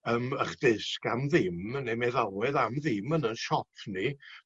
ym 'ych disg am ddim neu meddalwedd am ddim yn 'yn siop ni